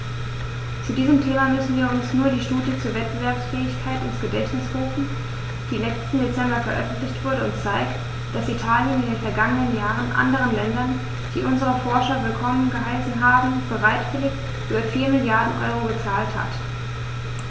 Zu diesem Thema müssen wir uns nur die Studie zur Wettbewerbsfähigkeit ins Gedächtnis rufen, die letzten Dezember veröffentlicht wurde und zeigt, dass Italien in den vergangenen Jahren anderen Ländern, die unsere Forscher willkommen geheißen haben, bereitwillig über 4 Mrd. EUR gezahlt hat.